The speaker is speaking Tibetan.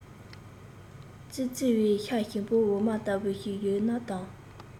ཙི ཙིའི ཤ ཞིམ པོ འོ མ ལྟ བུ ཞིག ཡོད ན དམ